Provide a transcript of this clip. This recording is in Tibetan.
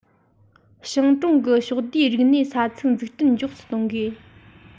ཞང གྲོང གི ཕྱོགས བསྡུས རིག གནས ས ཚིགས འཛུགས སྐྲུན མགྱོགས སུ གཏོང དགོས